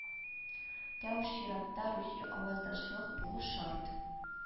Тәү чиратта рухи аваздашлык булу шарт